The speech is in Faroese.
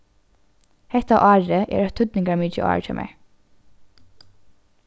hetta árið er eitt týdningarmikið ár hjá mær